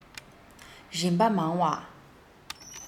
རིམ པ མང བ